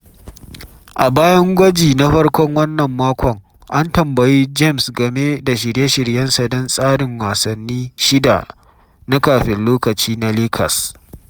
A bayan gwaji na farkon wannan makon, an tambayi James game da shirye-shiryensa don tsarin wasanni shida na kafin lokaci na Lakers.